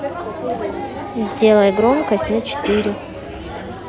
сделай громкость на четыре